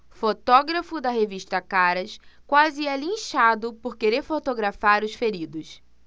fotógrafo da revista caras quase é linchado por querer fotografar os feridos